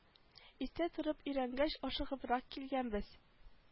Иртә торып өйрәнгәч ашыгыбрак килгәнбез